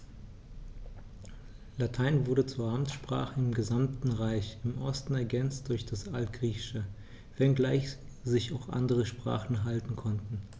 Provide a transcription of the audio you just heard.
Latein wurde zur Amtssprache im gesamten Reich (im Osten ergänzt durch das Altgriechische), wenngleich sich auch andere Sprachen halten konnten.